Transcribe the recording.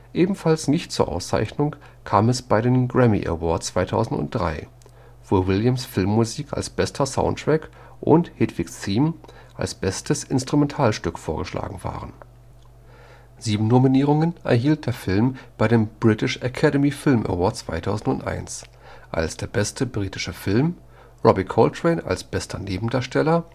Ebenfalls nicht zur Auszeichnung kam es bei den Grammy Awards 2003, wo Williams’ Filmmusik als bester Soundtrack und Hedwig’ s Theme als bestes Instrumentalstück vorgeschlagen waren. Sieben Nominierungen erhielt der Film für den British Academy Film Award 2001: als bester britischer Film, Robbie Coltrane als bester Nebendarsteller